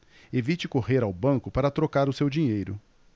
evite correr ao banco para trocar o seu dinheiro